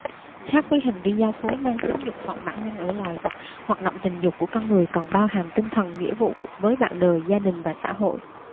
khác với hành vi giao phối mang tính dục vọng bản năng ở loài vật hoạt động tình dục của con người còn bao hàm tinh thần nghĩa vụ với bạn đời gia đình và xã hội